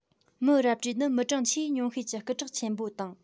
མི རབ གྲས ནི མི གྲངས ཆེས ཉུང ཤས ཀྱི སྐུ དྲག ཆེན པོ དང